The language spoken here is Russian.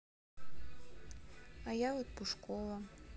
а я вот пушкова